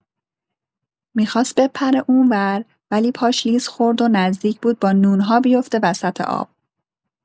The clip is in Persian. می‌خواست بپره اون‌ور، ولی پاش لیز خورد و نزدیک بود با نون‌ها بیفته وسط آب.